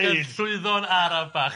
Ac yn llwyddo'n araf bach.